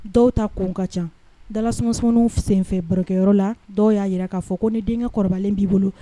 Dɔw ta ko ka ca dalasums senfɛ barokɛyɔrɔ la dɔw y'a jira k'a fɔ ko ni denkɛ kɔrɔbalen b'i bolo